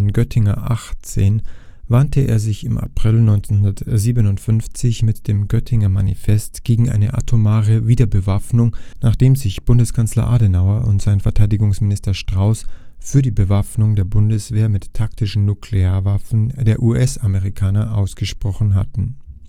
Göttinger Achtzehn) wandte er sich im April 1957 mit dem Göttinger Manifest gegen eine atomare Wiederbewaffnung, nachdem sich Bundeskanzler Adenauer und sein Verteidigungsminister Strauß für die Bewaffnung der Bundeswehr mit taktischen Nuklearwaffen der US-Amerikaner ausgesprochen hatten